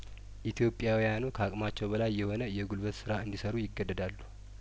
ኢትዮጵያውያኑ ከአቅማቸው በላይ የሆነ የጉልበት ስራ እንዲሰሩ ይገደዳሉ